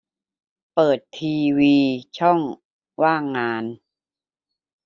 เปิดทีวีช่องว่างงาน